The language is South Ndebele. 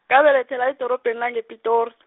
ngabelethelwa edorobheni langePitori.